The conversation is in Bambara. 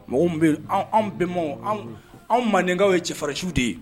Mɔgɔw bɛ anw bɛn anw mandenkaw ye cɛfarinsiw de ye